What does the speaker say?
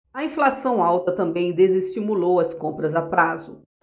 a inflação alta também desestimulou as compras a prazo